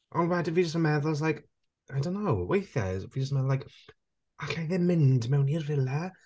Ond wedyn fi jyst yn meddwl it's like, I don't know weithiau fi jyst yn meddwl like alla i ddim mynd mewn i'r Villa.